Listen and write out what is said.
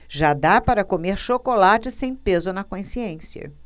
já dá para comer chocolate sem peso na consciência